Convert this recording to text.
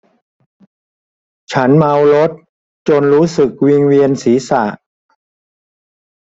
ฉันเมารถจนรู้สึกวิงเวียนศีรษะ